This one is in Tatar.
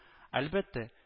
Әлбәттә